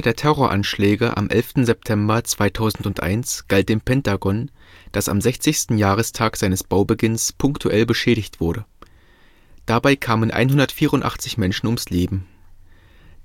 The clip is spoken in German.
der Terroranschläge am 11. September 2001 galt dem Pentagon, das am 60. Jahrestag seines Baubeginns punktuell beschädigt wurde. Dabei kamen 184 Menschen ums Leben.